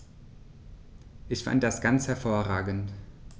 Ich fand das ganz hervorragend.